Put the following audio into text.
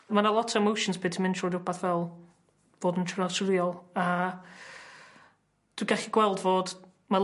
Ma' 'na lot o emotions pry' ti mynd trw rwbath fel fod yn trawsrhywiol a dwi gallu gweld fod ma'...